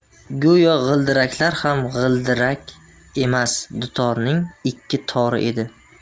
go'yo g'ildiraklar ham g'ildirak emas dutorning ikki tori edi